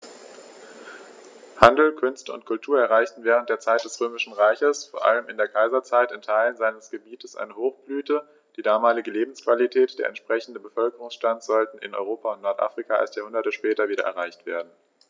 Handel, Künste und Kultur erreichten während der Zeit des Römischen Reiches, vor allem in der Kaiserzeit, in Teilen seines Gebietes eine Hochblüte, die damalige Lebensqualität und der entsprechende Bevölkerungsstand sollten in Europa und Nordafrika erst Jahrhunderte später wieder erreicht werden.